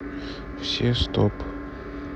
все стоп